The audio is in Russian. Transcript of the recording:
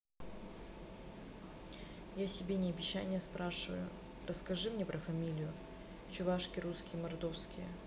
я себя не обещание спрашиваю расскажи мне про фамилию чувашки русские мордовские